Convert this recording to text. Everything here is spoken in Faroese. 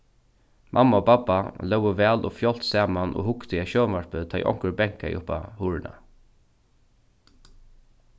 mamma og babba lógu væl og fjálgt saman og hugdu at sjónvarpi tá ið onkur bankaði upp á hurðina